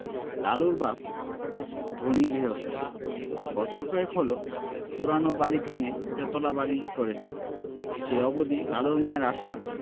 লালুর বাপ ধনী গৃহস্থ বছর কয়েক হলো পুরানো বাড়ি ভেঙ্গে তেতলা বাড়ি করেছেন সেই অবধি লালুর মায়ের আশা